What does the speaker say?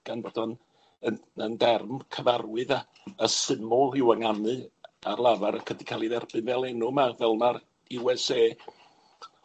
gan bod o'n yn yn derm cyfarwydd a a syml i'w ynganu ar lafar, ac wedi ca'l 'i dderbyn fel enw 'ma, fel mae'r You Ess Ay.